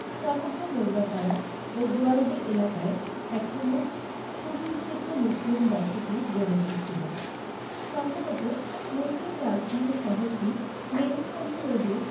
সমগ্র মোগরাপাড়া ও গোয়ালদি এলাকায় এক সময় সুবিস্তৃত মুসলিম বসতি গড়ে উঠেছিল সম্ভবত মুসলিম রাজধানী শহরটি মেনিখালী নদীর